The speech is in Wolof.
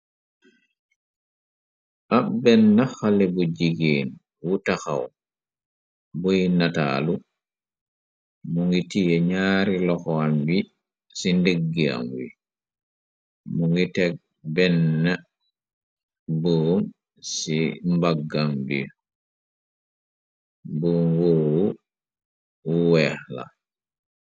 ab benn xale bu jigéen wu taxaw buy nataalu mu ngi tiyé ñaari loxoam bi ci ndeggi am wi mu ngi teg benn boom ci mbaggam bi bu ngoowu wuweex la